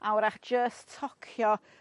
a 'wrach jyst tocio